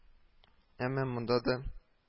Әмма монда да